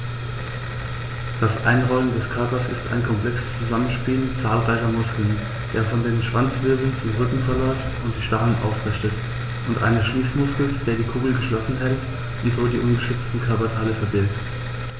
Das Einrollen des Körpers ist ein komplexes Zusammenspiel zahlreicher Muskeln, der von den Schwanzwirbeln zum Rücken verläuft und die Stacheln aufrichtet, und eines Schließmuskels, der die Kugel geschlossen hält und so die ungeschützten Körperteile verbirgt.